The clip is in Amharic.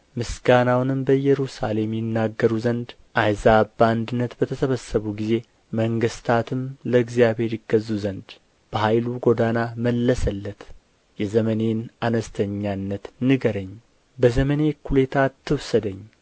ምስጋናውንም በኢየሩሳሌም ይናገሩ ዘንድ አሕዛብ በአንድነት በተሰበሰቡ ጊዜ መንግሥታትም ለእግዚአብሔር ይገዙ ዘንድ በኃይሉ ጎዳና መለሰለት የዘመኔን አነስተኛነት ንገረኝ በዘመኔ እኵሌታ አትውሰደኝ